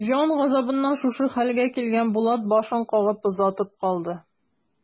Җан газабыннан шушы хәлгә килгән Булат башын кагып озатып калды.